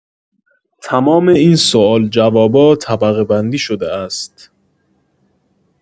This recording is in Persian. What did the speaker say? تمام این سوال جوابا طبقه‌بندی شده است